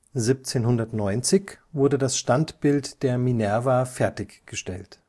1790 wurde das Standbild der Minerva fertiggestellt